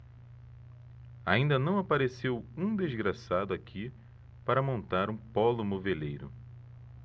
ainda não apareceu um desgraçado aqui para montar um pólo moveleiro